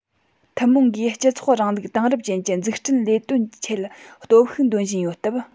ཐུན མོང གིས སྤྱི ཚོགས རིང ལུགས དེང རབས ཅན གྱི འཛུགས སྐྲུན ལས དོན ཆེད སྟོབས ཤུགས འདོན བཞིན ཡོད སྟབས